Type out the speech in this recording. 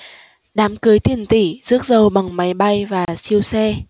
đám cưới tiền tỷ rước dâu bằng máy bay và siêu xe